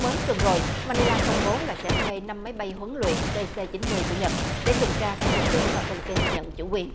mới tuần rồi ma ni la công bố là sẽ thuê năm máy bay huấn luyện tê xê chín mươi của nhật để tuần tra các vùng biển mà phi lip bin nhận chủ quyền